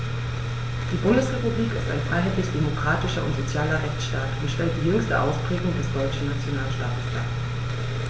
Die Bundesrepublik ist ein freiheitlich-demokratischer und sozialer Rechtsstaat und stellt die jüngste Ausprägung des deutschen Nationalstaates dar.